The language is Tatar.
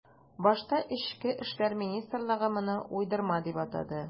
Башта эчке эшләр министрлыгы моны уйдырма дип атады.